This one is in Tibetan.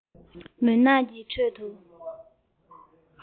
མུན ནག གྱི ཁྲོད དུ